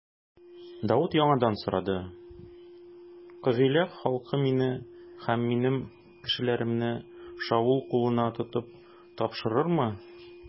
Давыт яңадан сорады: Кыгыйлә халкы мине һәм минем кешеләремне Шаул кулына тотып тапшырырмы?